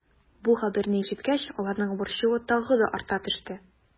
Бу хәбәрне ишеткәч, аларның борчуы тагы да арта төште.